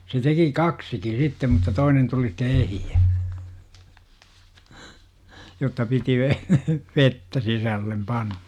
se teki kaksikin sitten mutta toinen tuli sitten ehjä jotta piti - vettä sisälle panna